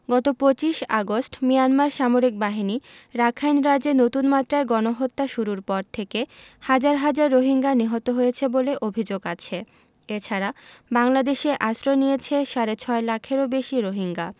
গত ২৫ August Myanmar সামরিক বাহিনী রাখাইন রাজ্যে নতুন মাত্রায় গণহত্যা শুরুর পর থেকে হাজার হাজার রোহিঙ্গা নিহত হয়েছে বলে অভিযোগ আছে এ ছাড়া বাংলাদেশে আশ্রয় নিয়েছে সাড়ে ছয় লাখেরও বেশি রোহিঙ্গা